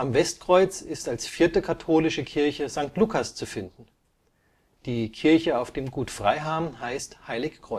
Westkreuz ist als vierte katholische Kirche St. Lukas zu finden. Die Kirche auf dem Gut Freiham heißt Heilig